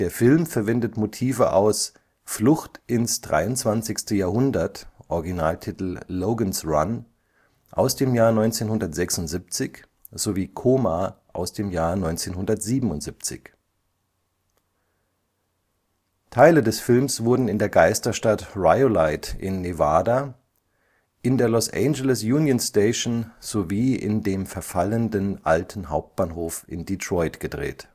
Film verwendet Motive aus Flucht ins 23. Jahrhundert (Logan’ s Run) aus dem Jahr 1976 sowie Coma aus dem Jahre 1977. Teile des Films wurden in der Geisterstadt Rhyolite (Nevada), in der Los Angeles Union Station sowie in dem verfallenden alten Hauptbahnhof in Detroit gedreht